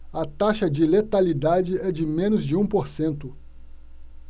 a taxa de letalidade é de menos de um por cento